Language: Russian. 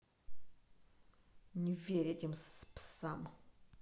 не верь этим псам